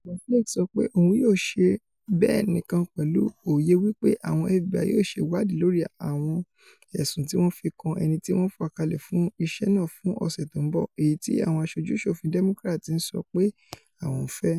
Ṣùgbọ́n Flake sọ pé òun yóò ṣe bẹ́ẹ̀ nìkan pẹ̀lú òye wí pé àwọn FBI yóò ṣe ìwáàdì lórí àwọn ẹ̀sùn tí wọ́n fi kan ẹnití wọ́n fàkalẹ̀ fún iṣẹ́ náà fún ọ̀sẹ̀ tó ń bọ̀, èyití àwọn aṣojú-ṣòfin Democrats ti ń sọ pé àwọn ń fẹ́.